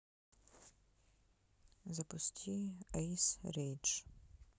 запусти эйс рейдж